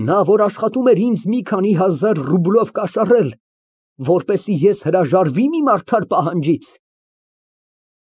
Նա, որ աշխատում էր ինձ մի քանի հազար ռուբլով կաշառել, որպեսզի ես հրաժարվի՞մ իմ արդար պահանջից։